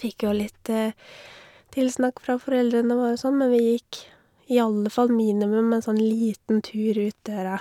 Fikk jo litt tilsnakk fra foreldrene våre og sånn, men vi gikk i alle fall minimum en sånn liten tur ut døra